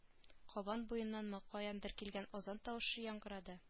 Кабан буеннанмы каяндыр килгән азан тавышы яңгырады